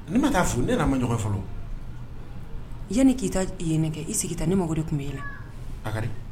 Ne ma'a fo ne nana ma ɲɔgɔn fɔlɔ yan k'i ye ne kɛ i sigi ta ne mago de tun bɛ i la